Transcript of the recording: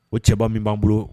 O cɛba min b'an bolo